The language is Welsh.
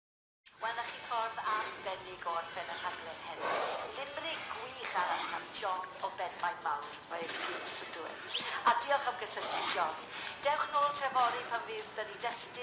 Wel 'na chi ffordd arbennig o orffen y rhaglen heddi. Limeric gwych arall gan John o Benmaenmawr. Mae . A diolch am gysylltu John Dewch nôl ta fory pan fydd 'dy ni destun